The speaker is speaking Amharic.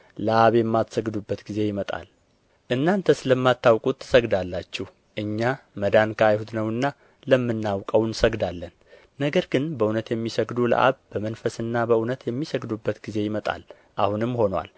ለአብ የማትሰግዱበት ጊዜ ይመጣል እናንተስ ለማታውቁት ትሰግዳላችሁ እኛ መዳን ከአይሁድ ነውና ለምናውቀው እንሰግዳለን ነገር ግን በእውነት የሚሰግዱ ለአብ በመንፈስና በእውነት የሚሰግዱበት ጊዜ ይመጣል አሁንም ሆኖአል